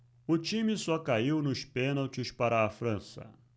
o time só caiu nos pênaltis para a frança